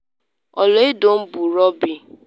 Ọla edo m bụ Robbie.”